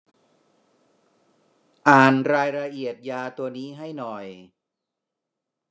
อ่านรายละเอียดยาตัวนี้ให้หน่อย